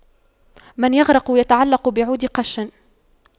من يغرق يتعلق بعود قش